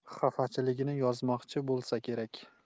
xafachiligini yozmoqchi bo'lsa kerak